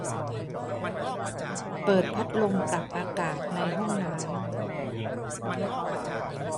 เปิดพัดลมปรับอากาศในห้องน้ำ